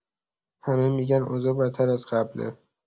همه می‌گن اوضاع بدتر از قبله.